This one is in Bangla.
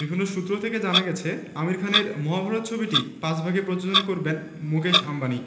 বিভিন্ন সূত্র থেকে জানা গেছে আমির খানের মহাভারত ছবিটি পাঁচ ভাগে প্রযোজনা করবেন মুকেশ আম্বানি